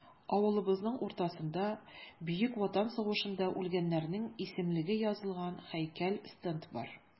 Авылыбызның уртасында Бөек Ватан сугышында үлгәннәрнең исемлеге язылган һәйкәл-стенд бар.